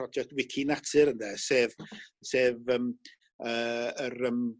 project wici natur ynde sef sef yym yy yr yym